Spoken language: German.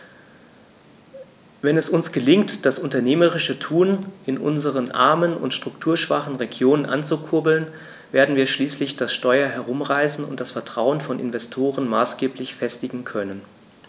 Wenn es uns gelingt, das unternehmerische Tun in unseren armen und strukturschwachen Regionen anzukurbeln, werden wir schließlich das Steuer herumreißen und das Vertrauen von Investoren maßgeblich festigen können.